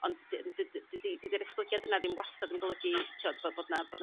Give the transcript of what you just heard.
ond dy- dydi'r esblygiad yna ddim wastad yn golygu t'od bo- bod na bod 'na